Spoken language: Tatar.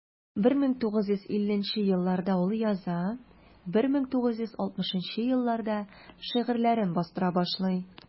1950 елларда ул яза, 1960 елларда шигырьләрен бастыра башлый.